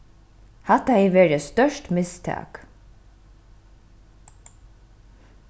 hatta hevði verið eitt stórt mistak